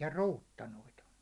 ja ruutanoita on